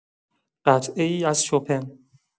قطعه‌ای از شوپن